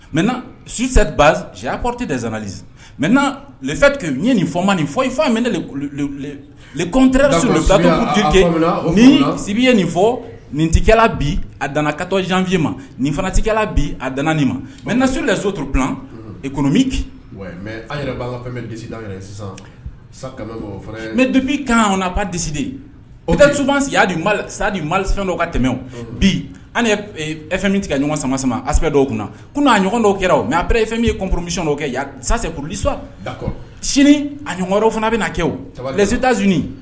Mɛ na su si kɔrɔte dezali mɛ lefɛ ye nin fɔ man nin fɔ i fakmte sibi ye nin fɔ nin tɛkɛlala bi a katɔ janfin ma nin fana tɛ bi a nin ma mɛ na sola so tu imi mɛ yɛrɛ mɛ dubi kan ba disi de o tɛ suba si sadi mali dɔw ka tɛmɛ bi ani fɛn min tigɛ ka ɲɔgɔn sama sama asse dɔw kunna ko n' a ɲɔgɔn dɔw kɛra mɛ a fɛn min yepmisi dɔw kɛ sase kurudisa sini a ɲɔgɔnw fana bɛ na kɛsi da z